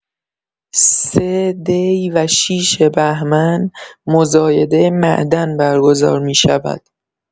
۳ دی و ۶ بهمن، مزایده معدن برگزار می‌شود.